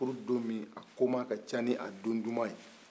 furu don min a koman ka ca ni a don duman ye